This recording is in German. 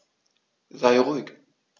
Sei ruhig.